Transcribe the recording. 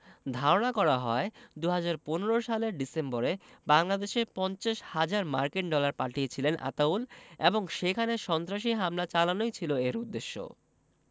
ধারণা করা হয় ২০১৫ সালের ডিসেম্বরে বাংলাদেশে ৫০ হাজার মার্কিন ডলার পাঠিয়েছিলেন আতাউল এবং সেখানে সন্ত্রাসী হামলা চালানোই ছিল এর উদ্দেশ্য